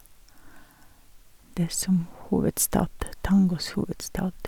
Det som hovedstad tangos hovedstad.